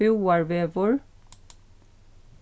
búðarvegur